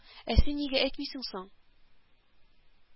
Ә син нигә әйтмисең соң